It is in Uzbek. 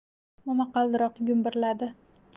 momaqaldirok gumburladi